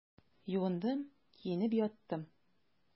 Юындым, киенеп яттым.